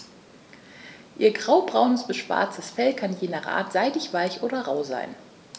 Ihr graubraunes bis schwarzes Fell kann je nach Art seidig-weich oder rau sein.